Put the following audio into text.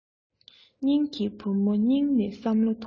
སྙིང གི བུ ཚོ སྙིང ནས བསམ བློ མཐོང